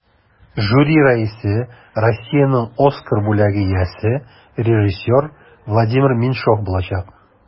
Жюри рәисе Россиянең Оскар бүләге иясе режиссер Владимир Меньшов булачак.